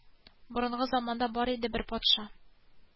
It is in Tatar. Якында гына шикле җан әсәре күренми.